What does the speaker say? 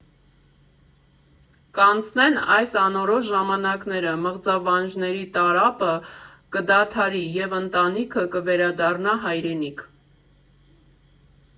Կանցնեն այս անորոշ ժամանակները, մղձավանջների տարափը կդադարի, և ընտանիքը կվերադառնա հայրենիք։